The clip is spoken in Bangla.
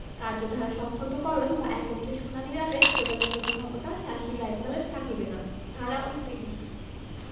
কার্যধারা সংহতকরণ বা একত্রে শুনানীর আদেশ প্রদানের কোন ক্ষমতা সালিসী ট্রাইব্যুনালের থাকিবে না ধারা ২৯